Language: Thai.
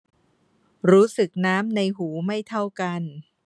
รู้สึกน้ำในหูไม่เท่ากัน